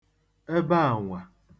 ebeenwa